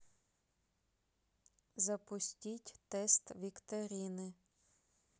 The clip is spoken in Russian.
запустить тест викторины